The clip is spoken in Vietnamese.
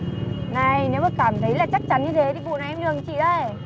này nếu mà cảm thấy là chắc chắn như thế thì vụ này em nhường chị đấy